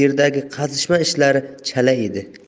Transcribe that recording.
yerdagi qazishma ishlari chala edi